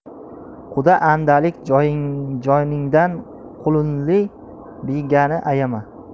quda andalik joyingdan qulunli biyangni ayama